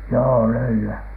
joo löylyä